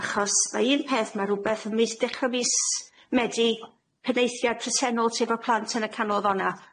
Achos ma' un peth ma' rwbeth yn mis dechra mis Medi Penaethiaid pesennol sy' efo plant yn y Canolfanna,